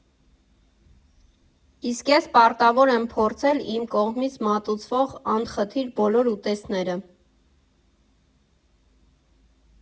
Իսկ ես պարտավոր եմ փորձել իմ կողմից մատուցվող անխտիր բոլոր ուտեստները։